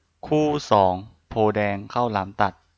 คู่สองโพธิ์แดงข้าวหลามตัด